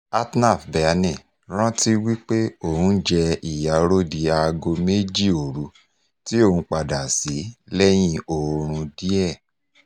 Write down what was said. Atnaf Berhane rántí wípé òún jẹ ìyà oró di aago méjì òru tí òún padà sí lẹ́yìn oorun díẹ̀.